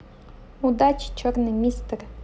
удали черный мистер